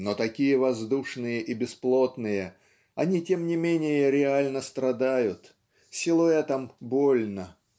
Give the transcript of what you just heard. Но такие воздушные и бесплотные, они тем не менее реально страдают силуэтам больно.